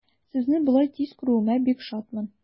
Сезне болай тиз күрүемә бик шатмын.